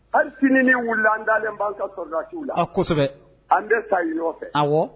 Hali siniinininin wulila an dalen'an kala a kosɛbɛ an bɛ sa nɔfɛ a